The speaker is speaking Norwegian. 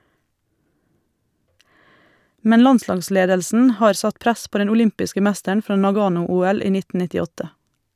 Men landslagsledelsen har satt press på den olympiske mesteren fra Nagano-OL i 1998.